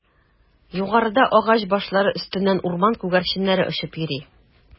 Югарыда агач башлары өстеннән урман күгәрченнәре очып йөри.